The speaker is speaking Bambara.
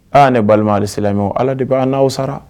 Aa ne balima alisi ala de b' naaw sara